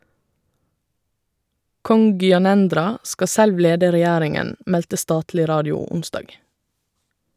Kong Gyanendra skal selv lede regjeringen, meldte statlig radio onsdag.